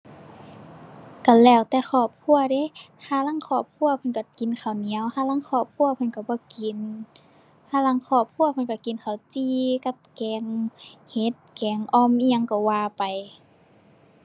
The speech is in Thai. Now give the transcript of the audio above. ก็แล้วแต่ครอบครัวเดะ ห่าลางครอบครัวเพิ่นก็กินข้าวเหนียว ห่าลางครอบครัวเพิ่นก็บ่กิน ห่าลางครอบครัวเพิ่นก็กินข้าวจี่กับแกงเห็ด แกงอ่อม อิหยังก็ว่าไป